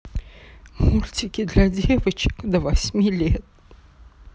мультики для девочек до восьми лет